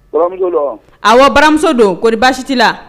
Baramuso don wa ? Awɔ baramuso don koɔri baasi ti la?